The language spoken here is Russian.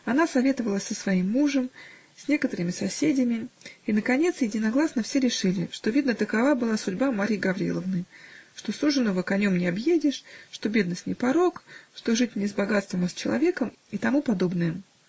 Она советовалась со своим мужем, с некоторыми соседями, и наконец единогласно все решили, что видно такова была судьба Марьи Гавриловны, что суженого конем не объедешь, что бедность не порок, что жить не с богатством, а с человеком, и тому подобное.